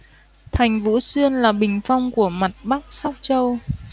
thành vũ xuyên là bình phong của mặt bắc sóc châu